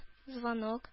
Звонок